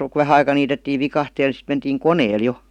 kun vähän aika niitettiin viikatteella niin sitten mentiin koneella jo